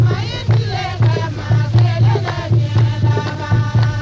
maa y'i tile kɛ maa kelen tɛ diɲɛ laban